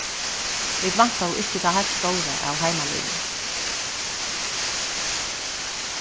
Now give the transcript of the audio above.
vit væntaðu ikki tað heilt stóra av heimaliðnum